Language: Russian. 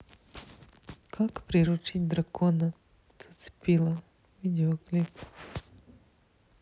как приручить дракона зацепила видеоклип